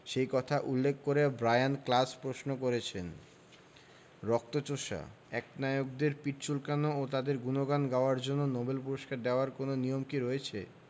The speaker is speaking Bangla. সে কথা উল্লেখ করে ব্রায়ান ক্লাস প্রশ্ন করেছেন রক্তচোষা একনায়কদের পিঠ চুলকানো ও তাঁদের গুণগান গাওয়ার জন্য নোবেল পুরস্কার দেওয়ার কোনো নিয়ম কি রয়েছে